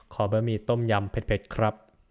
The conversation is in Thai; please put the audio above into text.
ขอบะหมี่ต้มยำเผ็ดเผ็ดครับ